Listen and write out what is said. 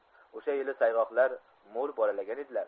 osha yili sayg'oqlar mo'l bolalagan edilar